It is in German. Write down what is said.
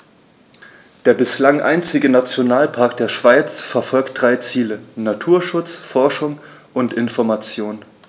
Der bislang einzige Nationalpark der Schweiz verfolgt drei Ziele: Naturschutz, Forschung und Information.